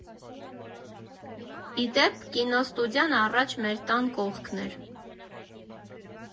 Ի դեպ՝ կինոստուդիան առաջ մեր տան կողքն էր։